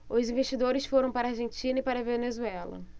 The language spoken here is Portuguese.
os investidores foram para a argentina e para a venezuela